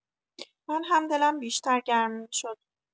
من هم دلم بیشتر گرم می‌شد.